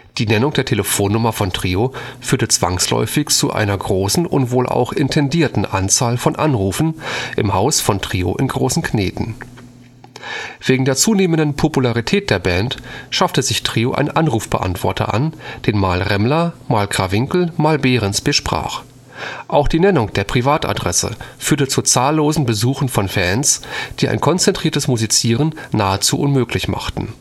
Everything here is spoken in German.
Die Nennung der Telefonnummer von Trio führte zwangsläufig zu einer großen und wohl auch intendierten Anzahl von Anrufen im Haus von Trio in Großenkneten. Wegen der zunehmenden Popularität der Band schaffte sich Trio einen Anrufbeantworter an, den mal Remmler, mal Krawinkel, mal Behrens besprach. Auch die Nennung der Privatadresse führte zu zahllosen Besuchen von Fans, die ein konzentriertes Musizieren nahezu unmöglich machten